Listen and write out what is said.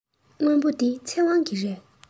སྔོན པོ འདི ཚེ དབང གི རེད